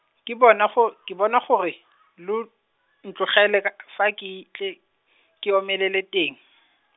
ke bona go- , ke bona gore, lo, ntlogele fa ke tle, ke omelele teng.